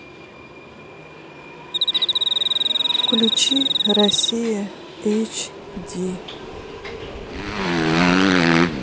включи россия эйч ди